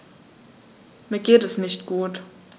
Mir geht es nicht gut.